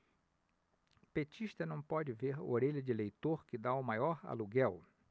petista não pode ver orelha de eleitor que tá o maior aluguel